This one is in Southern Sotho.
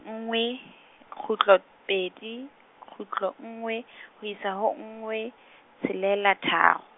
nngwe, kgutlo pedi, kgutlo nngwe, ho isa ho nngwe, tshelela tharo.